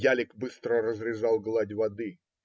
Ялик быстро разрезал гладь воды.